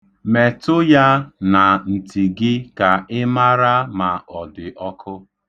Metụ ya na nti gị ka ị mara ma ọ dị ọkụ.